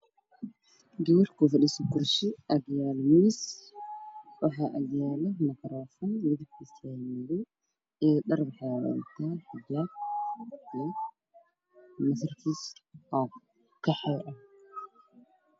Waa gabar kufadhiso kursi waxaa agyaalo miis iyo makaroofan madow ah, waxay wadataa dhar xijaab qaxwi iyo masar qaxwi ah.